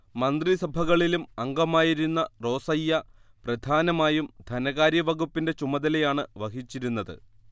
മന്ത്രിസഭകളിലും അംഗമായിരുന്ന റോസയ്യ പ്രധാനമായും ധനകാര്യവകുപ്പിന്റെ ചുമതലയാണ് വഹിച്ചിരുന്നത്